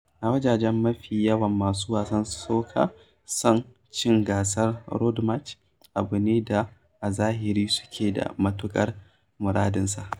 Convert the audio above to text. A wajen mafiya yawan masu wasan soca, son cin gasar Road March abu ne da a zahiri suke da matuƙar muradinsa.